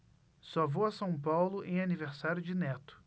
só vou a são paulo em aniversário de neto